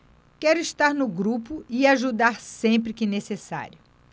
quero estar no grupo e ajudar sempre que necessário